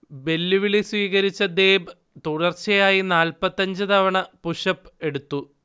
വെല്ലുവിളി സ്വീകരിച്ച ദേബ് തുടർച്ചയായി നാല്പത്തഞ്ച് തവണ പുഷ്അപ് എടുത്തു